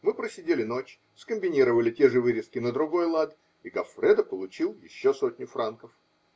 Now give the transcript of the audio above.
мы просидели ночь, скомбинировали те же вырезки на другой лад, и Гоффредо получил еще сотню франков.